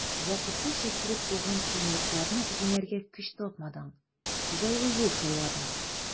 Вакытлыча килеп туган кыенлыкларны җиңәргә көч тапмадың, җайлы юл сайладың.